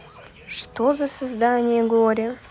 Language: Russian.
что за создание горе